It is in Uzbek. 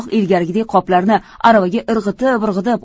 ilgarigidek qoplarni aravaga irg'itib irg'itib